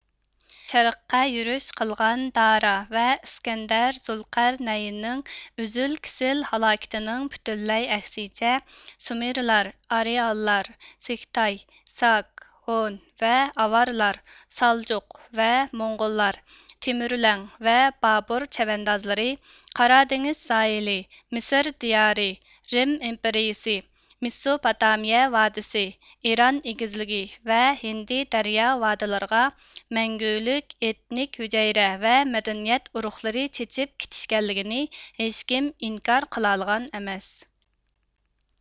شەرققە يۈرۈش قىلغان دارا ۋە ئىسكەندەر زۇلقەر نەيىننىڭ ئۈزۈل كېسىل ھالاكىتىنىڭ پۈتۈنلەي ئەكسىچە سۇمېرلار ئارىئانلار سىكىتاي ساك ھون ۋە ئاۋارلار سالجۇق ۋە موڭغۇللار تېمۈرلەڭ ۋە بابۇر چەۋەندازلىرى قارا دېڭىز ساھىلى مىسىر دىيارى رىم ئىمپېرىيىسى مىسۇپۇتامىيە ۋادىسى ئىران ئېگىزلىكى ۋە ھىند دەريا ۋدىلىرىغا مەڭگۈلۈك ئېتنىك ھۈجەيرە ۋە مەدەنىيەت ئۇرۇقلىرى چېچىپ كېتىشكەنلىكىنى ھېچكىم ئىنكار قىلالىغان ئەمەس